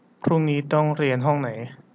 พรุ่งนี้ต้องเรียนห้องไหน